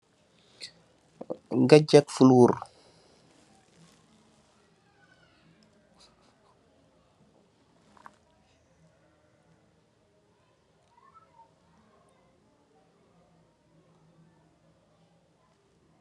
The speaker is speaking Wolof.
Gajak fuloor.